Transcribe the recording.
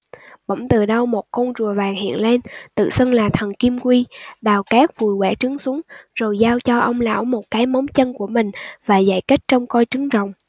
bỗng từ đâu một con rùa vàng hiện lên tự xưng là thần kim quy đào cát vùi quả trứng xuống rồi giao cho ông lão một cái móng chân của mình và dạy cách trông coi trứng rồng